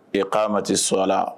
Ee ko ma tɛ so la